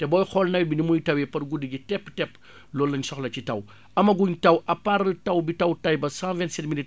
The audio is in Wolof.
te booy xool nawet bi ni muy tawee par guddi gi tepp-tepp loolu la ñu soxla ci taw amaguñ taw à part taw bi taw Taïba cent vingt six mili